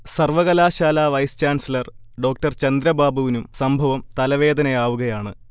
സർവ്വകലാശാല vice chancellor ഡോ. ചന്ദ്രബാബുവിനും സംഭവം തലവേദനയാവുകയാണ്